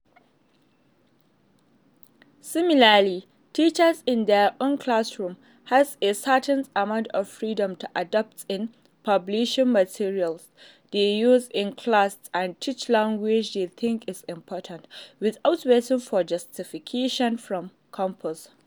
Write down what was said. Similarly, teachers in their own classrooms have a certain amount of freedom to adapt the published materials they use in class and teach language they think is important, without waiting for justification from corpus.